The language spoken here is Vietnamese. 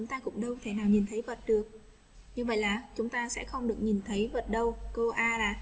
chúng ta cũng đâu phải là nhìn thấy vật được chúng ta sẽ không được nhìn thấy vợ đâu cơ a là